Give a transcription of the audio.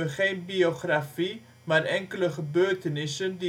geen biografie, maar enkele gebeurtenissen